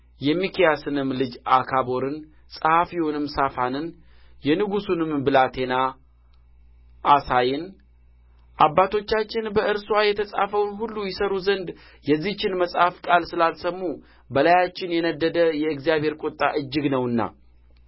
የሚክያስንም ልጅ ዓክቦርን ጸሐፊውንም ሳፋንን የንጉሡንም ብላቴና ዓሳያን አባቶቻችን በእርስዋ የተጻፈውን ሁሉ ይሠሩ ዘንድ የዚህችን መጽሐፍ ቃል ስላልሰሙ በላያችን የነደደ የእግዚአብሔር ቍጣ እጅግ ነውና